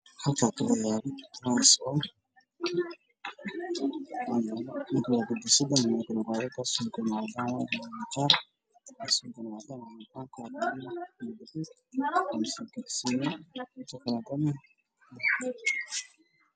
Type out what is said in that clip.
Halkaan waxyeelo kabo qurxin oo midabkoodu yahay cadaan iyo gaduud